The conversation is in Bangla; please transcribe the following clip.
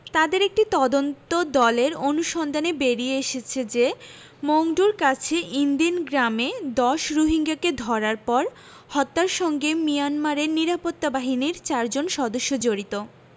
তাদের একটি তদন্তদলের অনুসন্ধানে বেরিয়ে এসেছে যে মংডুর কাছে ইনদিন গ্রামে ১০ রোহিঙ্গাকে ধরার পর হত্যার সঙ্গে মিয়ানমারের নিরাপত্তা বাহিনীর চারজন সদস্য জড়িত